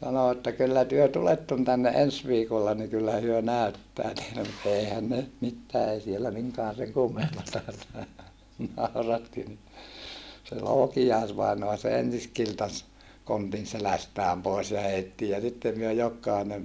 sanoi että kyllä te tulette tänne ensi viikolla niin kyllä he näyttää teille mutta eihän ne nyt mitään ei siellä minkään sen kummempaa nauratti niin se Loukiais-vainaa se ensin kiltasi kontin selästään pois ja heitti ja sitten me jokainen